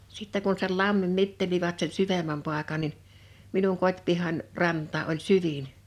sitten kun sen lammin mittelivät sen syvemmän paikan niin minun kotipihani rantaan oli syvin